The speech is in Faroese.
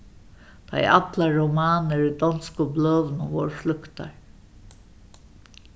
tá ið allar romanir í donsku bløðunum vórðu slúktar